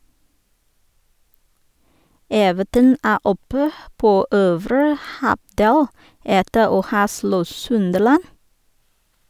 Everton er oppe på øvre halvdel, etter å ha slått Sunderland.